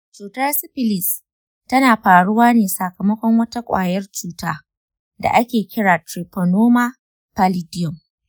cutar sifilis tana faruwa ne sakamakon wata ƙwayar cuta da ake kira treponema pallidum.